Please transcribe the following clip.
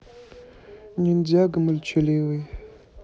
ниндзяго молчаливый